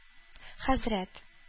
Хәзрәт